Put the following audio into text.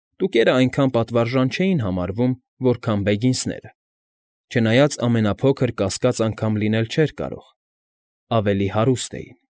Տուկերը այնքան պատվարժան չէին հարավում, որքան Բեգինսները, չնայած, ամենափոքր կասկած անգամ լինել չէր կարող, ավելի հարուստ էին։